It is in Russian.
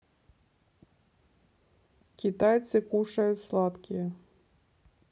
китайцы кушают сладкие